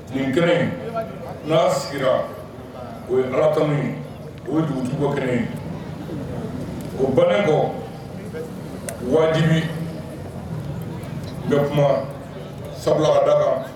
Nin kelen n'a sigira o ye ala kanu o ye dugutigi kelen ko banko waatidimi bɛ kuma sabula kada kan